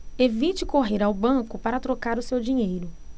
evite correr ao banco para trocar o seu dinheiro